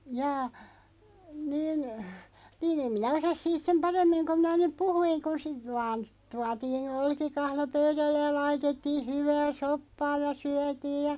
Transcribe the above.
jaa niin niin en minä osaa siitä sen paremmin kuin minä nyt puhuin kun sitten vain tuotiin olkikahlo pöydälle ja laitettiin hyvää soppaa ja syötiin ja